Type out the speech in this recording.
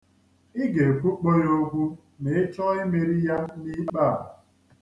Ị ga-ekwupo ya okwu ma ị chọọ imeri ya n'ikpe a.